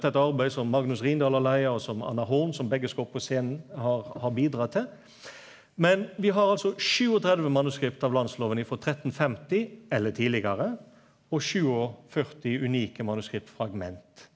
dette er eit arbeid som Magnus Rindal har leia og som Anna Horn som begge skal opp på scenen har har bidratt til men vi har altså 37 manuskript av landsloven ifrå 1350 eller tidlegare og 47 unike manuskriptfragment.